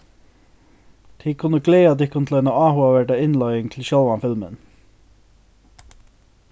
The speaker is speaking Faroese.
tit kunnu gleða tykkum til eina áhugaverda innleiðing til sjálvan filmin